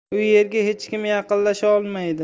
u yerga hech kim yaqinlasha olmaydi